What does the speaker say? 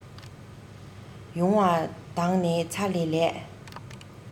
ཡུང བ དང ནི ཚ ལེ ལས